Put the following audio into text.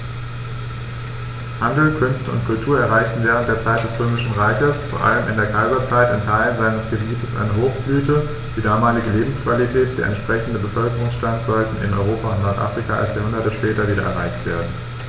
Handel, Künste und Kultur erreichten während der Zeit des Römischen Reiches, vor allem in der Kaiserzeit, in Teilen seines Gebietes eine Hochblüte, die damalige Lebensqualität und der entsprechende Bevölkerungsstand sollten in Europa und Nordafrika erst Jahrhunderte später wieder erreicht werden.